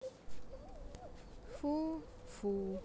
фу фу